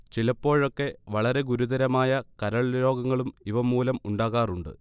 ചിലപ്പോഴൊക്കെ വളരെ ഗുരുതരമായ കരൾരോഗങ്ങളും ഇവ മൂലം ഉണ്ടാകാറുണ്ട്